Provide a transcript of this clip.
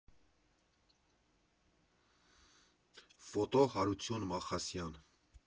Ֆոտո՝ Հարություն Մալխասյան։